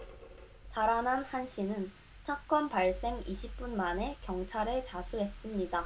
달아난 한 씨는 사건 발생 이십 분 만에 경찰에 자수했습니다